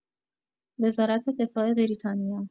وزارت دفاع بریتانیا